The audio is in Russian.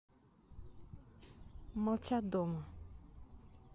молчат дома